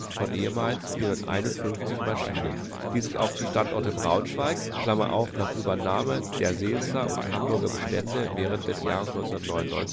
von ehemals 451 Maschinen, die sich auf die Standorte Braunschweig (nach Übernahme der Seelzer und Hamburger Bestände während des Jahres 1999